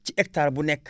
ci hectare bu nekk